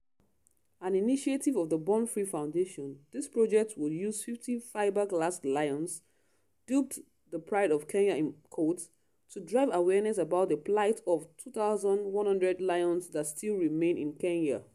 An initiative of the Born Free Foundation, this project will use 50 fiberglass lions, dubbed ‘the Pride of Kenya‘ to drive awareness about the plight of the 2,100 lions that still remain in Kenya.